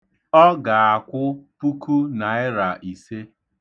Ọ ga-akwụ puku naịra ise.